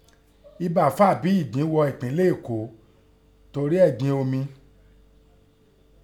Ẹbà fà bí ìgbín ghọ ẹ̀pínlẹ̀ Eko torí ẹ̀gbin omi.